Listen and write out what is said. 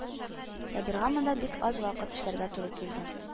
Сабирга монда бик аз вакыт эшләргә туры килде